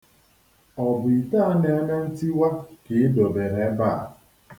Ọ bụ ite a na-eme ntiwa ka i dobere ebe a?